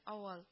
Авыл